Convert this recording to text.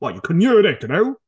What, you couldn't hear it, could you?